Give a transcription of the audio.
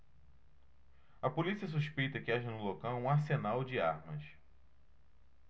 a polícia suspeita que haja no local um arsenal de armas